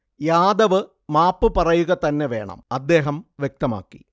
യാദവ് മാപ്പ് പറയുക തന്നെ വേണം, അ്ദദേഹം വ്യക്തമാക്കി